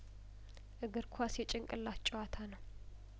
እግር ኳስ የጭንቅላት ጨዋታ ነው